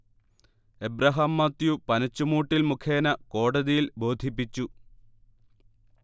Abraham Mathew Panachamoottil മുഖേനെ കോടതിയിൽ ബോധിപ്പിച്ചു